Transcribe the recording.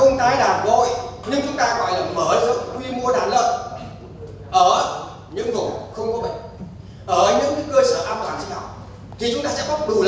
không tái đàn vội như chúng ta gọi là mở rộng quy mô đàn lợn ở những vùng không có bệnh ở những cái cơ sở an toàn sinh học thì chúng ta sẽ có đủ